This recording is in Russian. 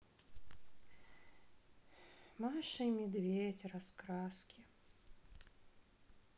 маша и медведь раскраски